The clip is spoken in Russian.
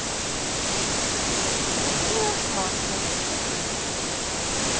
екатерина усманова ютуб